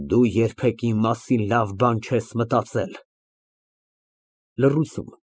Դու երբեք իմ մասին լավ բան չես մտածել։ (Լռություն)